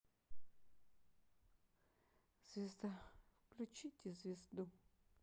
звезда включите звезду